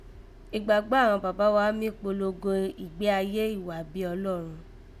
Ìgbàgbọ́ àghan bàbá wá mí kpolongo ìgbé ayé ìwà bí Ọlọ́run